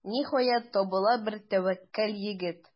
Ниһаять, табыла бер тәвәккәл егет.